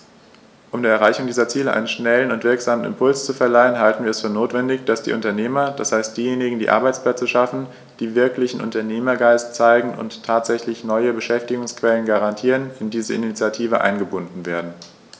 Um der Erreichung dieser Ziele einen schnellen und wirksamen Impuls zu verleihen, halten wir es für notwendig, dass die Unternehmer, das heißt diejenigen, die Arbeitsplätze schaffen, die wirklichen Unternehmergeist zeigen und tatsächlich neue Beschäftigungsquellen garantieren, in diese Initiative eingebunden werden.